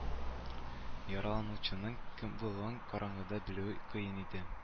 Яраланучының кем булуын караңгыда белүе кыен иде